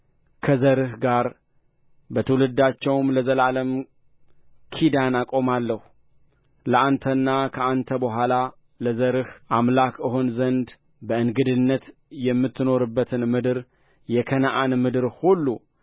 ከዘርህ ጋር በትውልዳቸው ለዘላለም ኪዳን አቆማለሁ ለአንተና ከአንተ በኋላ ለዘርህ አምላክ እሆን ዘንድ በእንግድነት የምትኖርባትን ምድር የከነዓን ምድር ሁሉ